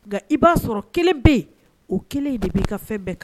Nga i b'a sɔrɔ 1 be ye o 1 in de b'i ka fɛn bɛɛ ka